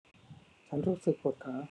ฉันรู้สึกปวดขา